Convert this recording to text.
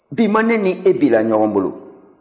bi ma ne ni e bila ɲɔgɔn bolo